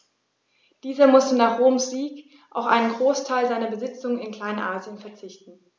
Dieser musste nach Roms Sieg auf einen Großteil seiner Besitzungen in Kleinasien verzichten.